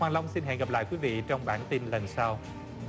hoàng long xin hẹn gặp lại quý vị trong bản tin lần sau